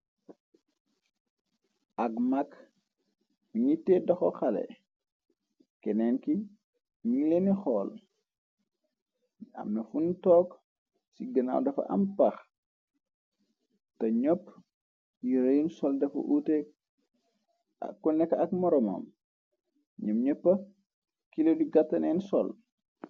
Ak mag mi ngi tiye loxo xale, kenneen ki ñileeni xool, amna fun took ci ginaaw dafa am pax, te ñëpp yireyun sol dafa uute, ko nekk ak moromom, ñëm ñëppa, kilo yu gatta leen sol.